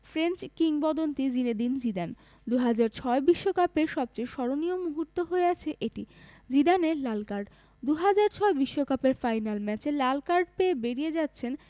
French কিংবদন্তি Zinedine Zidane ২০০৬ বিশ্বকাপের সবচেয়ে স্মরণীয় মুহূর্ত হয়ে আছে এটি জিদানের লাল কার্ড ২০০৬ বিশ্বকাপের ফাইনাল ম্যাচে লাল কার্ড পেয়ে বেরিয়ে যাচ্ছেন